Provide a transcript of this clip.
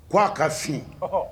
K ko a ka fiɲɛ